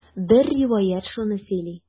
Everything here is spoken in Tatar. Бер риваять шуны сөйли.